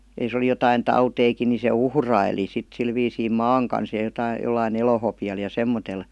ja jos oli jotakin tautejakin niin se uhraili sitten sillä viisiin maan kanssa ja - jollakin elohopealla ja semmoisella